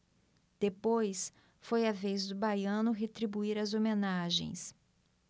depois foi a vez do baiano retribuir as homenagens